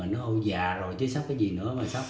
mình nói ông già rồi chứ sắp cái gì mà sắp